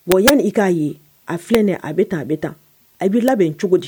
Bon yanni i k'a ye a filɛɛnɛ a bɛ taa a bɛ taa a bɛi labɛn cogo di